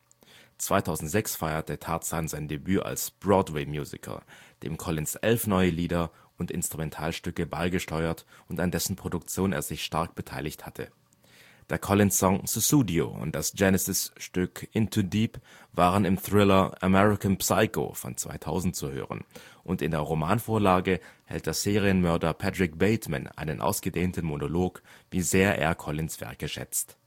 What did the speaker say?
2006 feierte Tarzan sein Debüt als Broadway-Musical, dem Collins elf neue Lieder und Instrumentalstücke beigesteuert und an dessen Produktion er sich stark beteiligt hatte. Der Collins-Song Sussudio und das Genesis-Stück In Too Deep waren im Thriller American Psycho (2000) zu hören, und in der Romanvorlage hält der Serienmörder Patrick Bateman einen ausgedehnten Monolog, wie sehr er Collins ' Werke schätzt